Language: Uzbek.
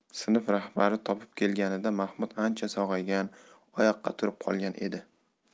sinf rahbari topib kelganida mahmud ancha sog'aygan oyoqqa turib qolgan edi